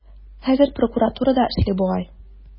Хәзер прокуратурада эшли бугай.